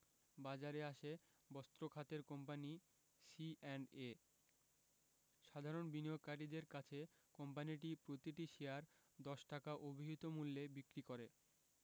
বাজারে আসে বস্ত্র খাতের কোম্পানি সিঅ্যান্ডএ সাধারণ বিনিয়োগকারীদের কাছে কোম্পানিটি প্রতিটি শেয়ার ১০ টাকা অভিহিত মূল্যে বিক্রি করে